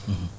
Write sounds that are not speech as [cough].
[hesitation] [hesitation]